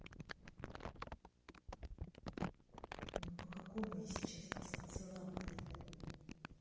ну по какому я сейчас сказал салам алейкум